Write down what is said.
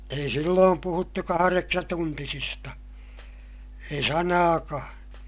ei silloin puhuttu kahdeksantuntisista ei sanaakaan